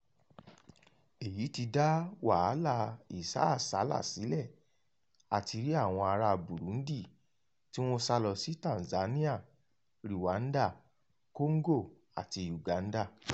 Èyí ti dá wàhálà ìsásàálà sílẹ̀, a ti rí àwọn ará Burundi tí wọ́n sá lọ sí Tanzania, Rwanda, Congo àti Uganda.